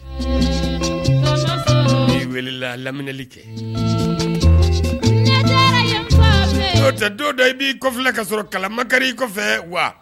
I wulila lamli kɛ tɛ don dɔ i b'i kɔfi ka sɔrɔ kalamakari kɔfɛ wa